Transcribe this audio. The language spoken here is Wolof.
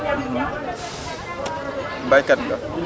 béykat nga